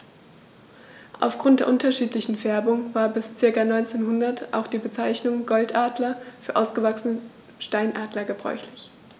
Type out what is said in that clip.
Auf Grund der unterschiedlichen Färbung war bis ca. 1900 auch die Bezeichnung Goldadler für ausgewachsene Steinadler gebräuchlich.